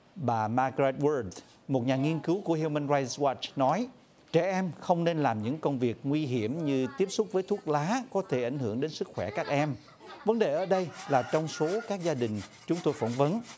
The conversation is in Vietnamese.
bà mai cờ roai bôn một nhà nghiên cứu của hiu mưn roai xì goát nói trẻ em không nên làm những công việc nguy hiểm như tiếp xúc với thuốc lá có thể ảnh hưởng đến sức khỏe các em vấn đề ở đây là trong số các gia đình chúng tôi phỏng vấn